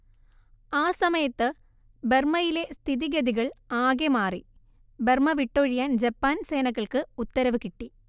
ആ സമയത്ത് ബർമ്മയിലെ സ്ഥിതിഗതികൾ ആകെ മാറി ബർമ്മ വിട്ടൊഴിയാൻ ജപ്പാൻ സേനകൾക്ക് ഉത്തരവ് കിട്ടി